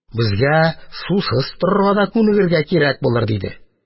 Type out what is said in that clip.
Безгә сусыз торырга да күнегергә кирәк булыр, – диде.